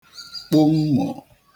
kpụ mmò